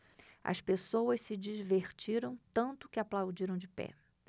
as pessoas se divertiram tanto que aplaudiram de pé